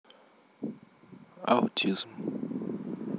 аутизм